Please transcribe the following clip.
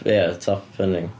Ia, top punning.